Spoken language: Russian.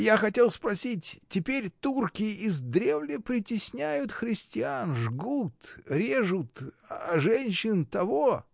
Я хотел спросить: теперь турки издревле притесняют христиан, жгут, режут, а женщин. того.